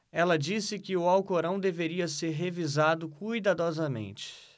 ela disse que o alcorão deveria ser revisado cuidadosamente